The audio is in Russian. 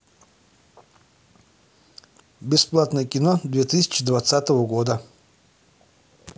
бесплатное кино две тысячи девятнадцатого года